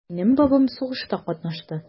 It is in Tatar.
Минем бабам сугышта катнашты.